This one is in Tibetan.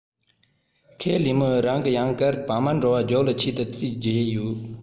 ཁས ལེན མོའི རང གི ཡང བསྐྱར བག མར འགྲོ བ རྒྱག ལ ཆེད དུ རྩིས བརྒྱབ ཡོད